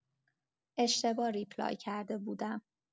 اشتباه ریپلای کرده بودم